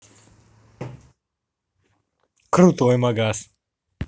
крутой магазин